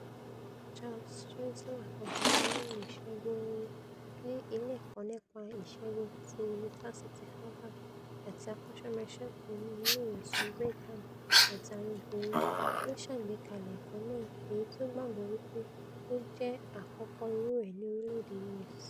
Charles Czeisler, ọ̀jọ̀gbọ́n nínú ìṣègùn oorun ní Ilé Ẹ̀kọ́ nípa Ìṣègùn ti Yunifasiti Havard àti akọ́ṣẹ́mọṣẹ́ kan ní Ilé Ìwòsàn Brigham àti àwọn obìnrin, ló ṣàgbékalẹ̀ ẹ̀kọ́ náà, èyití o gbàgbọ́ wí pé ó jẹ́ àkọ́kọ́ irú rẹ̀ ní orílẹ̀-èdè US.